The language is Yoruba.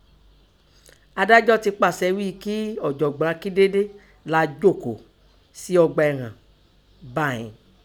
Adájọ́ tẹ pàsẹ ghíi kí ọ̀jọ̀gbọ́n Akíndélé làa jọ́kòó sẹ ọgbà ẹ̀họ̀n báìín.